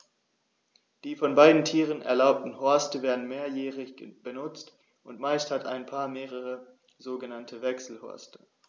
Die von beiden Tieren erbauten Horste werden mehrjährig benutzt, und meist hat ein Paar mehrere sogenannte Wechselhorste.